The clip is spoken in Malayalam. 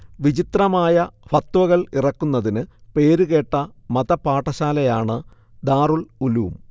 വിചിത്രമായ ഫത്വകൾ ഇറക്കുന്നതിന് പേര് കേട്ട മതപാഠശാലയാണ് ദാറുൽഉലൂം